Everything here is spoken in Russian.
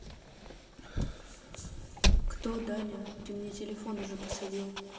кто даня ты мне телефон уже посадил